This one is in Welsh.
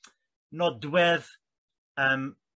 nodwedd yym